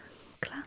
Klar.